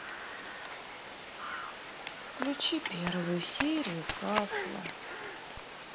включи первую серию касла